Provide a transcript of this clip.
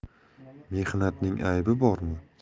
mehnatning aybi bormi